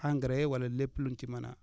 engrais wala lépp luñ ci mën a